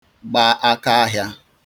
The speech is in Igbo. gba akaahị̄ā